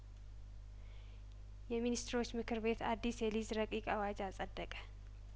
የሚኒስትሮች ምክር ቤት አዲስ የሊዝ ረቂቅ አዋጅ አጸደቀ